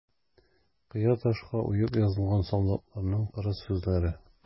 Кыя ташка уеп язылган солдатларның кырыс сүзләре.